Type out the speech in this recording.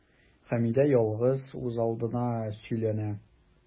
Хәмидә ялгыз, үзалдына сөйләнә.